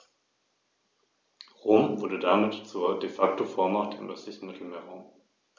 Karthago verlor alle außerafrikanischen Besitzungen und seine Flotte.